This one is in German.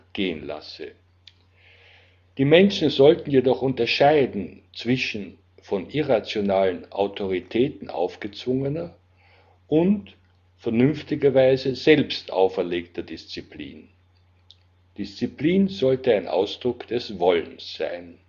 gehen lasse. Die Menschen sollten jedoch zwischen von irrationalen Autoritäten aufgezwungener und vernünftigerweise selbst auferlegter Disziplin unterscheiden. Disziplin sollte ein Ausdruck des Wollens sein